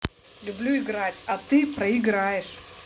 люблю играть а ты проиграешь